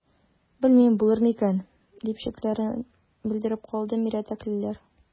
Белмим, булыр микән,– дип шикләрен белдереп калды мирәтәклеләр.